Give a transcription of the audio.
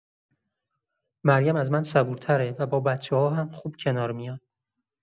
مریم از من صبورتره و با بچه‌ها هم خوب کنار میاد.